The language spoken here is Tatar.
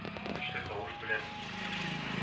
Көчле тавыш белән